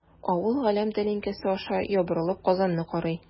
Авыл галәм тәлинкәсе аша ябырылып Казанны карый.